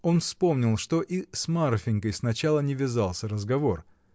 Он вспомнил, что и с Марфинькой сначала не вязался разговор.